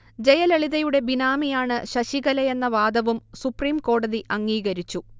ജയലളിതയുടെ ബിനാമിയാണ് ശശികലയെന്ന വാദവും സുപ്രീംകോടതി അംഗീകരിച്ചു